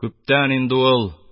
Күптән үк инде ул: